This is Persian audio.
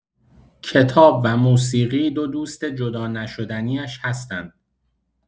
کتاب و موسیقی دو دوست جدانشدنی‌اش هستند.